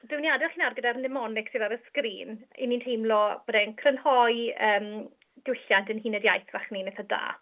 Dwi'n mynd i adael chi nawr gyda'r mnemonig sydd ar y sgrîn 'y ni'n teimlo bod e'n crynhoi yym diwylliant ein huned iaith fach ni'n ithe da.